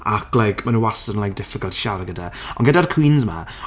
Ac like ma' nhw wastad yn like difficult i siarad gyda, ond gyda'r queens 'ma...